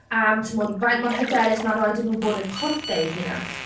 Am timod, faint mor hyderus mae rhaid i nhw bod yn corff eu hunan.